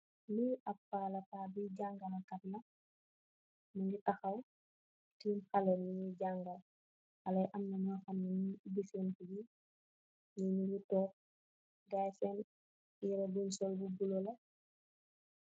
Li am pa la pa bi jangeleh kat la mogi taxaw teem xaleh yu moi jangal xaleh amna nyu hamnex nyugi ebi sen book yi nyi nyugi toog kay sen yereh bun sol bu bulo la.